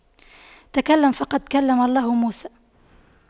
تكلم فقد كلم الله موسى